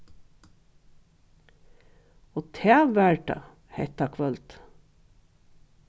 og tað var tað hetta kvøldið